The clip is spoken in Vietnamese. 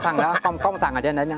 có có một thằng ở trên đó nữa